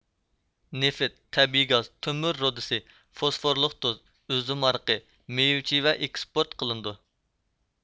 نېفىت تەبىئىي گاز تۆمۈر رۇدىسى فوسفورلۇق تۇز ئۈزۈم ھارىقى مېۋە چىۋە ئېكسپورت قىلىنىدۇ